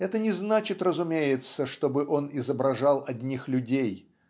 Это не значит, разумеется, чтобы он изображал одних людей,